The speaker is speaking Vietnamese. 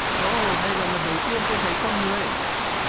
ô đây là lần đầu tiên tôi thấy con người